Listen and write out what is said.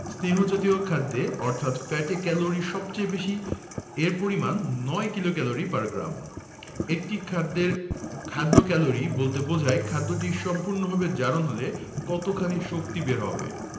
স্নেহ জাতীয় খাদ্যে অর্থাৎ ফ্যাটের ক্যালরি সবচেয়ে বেশি এর পরিমান ৯ কিলোক্যালরি পার গ্রাম একটা খাদ্যের খাদ্য ক্যালোরি বলতে বোঝায় খাদ্যটি সম্পূর্ণভাবে জারণ হলে কতখানি শক্তি বের হবে